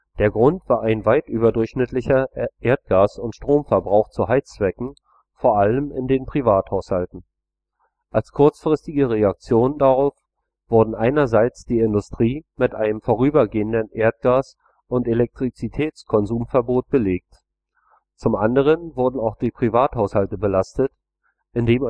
Der Grund war ein weit überdurchschnittlicher Erdgas - und Stromverbrauch zu Heizzwecken, vor allem in den Privathaushalten. Als kurzfristige Reaktion darauf wurden einerseits die Industrie mit einem vorübergehen Erdgas - und Elektrizitätskonsumverbot belegt. Zum anderen wurden auch die Privathaushalte belastet, indem